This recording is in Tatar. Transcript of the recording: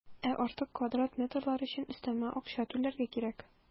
Ә артык квадрат метрлар өчен өстәмә акча түләргә кирәк.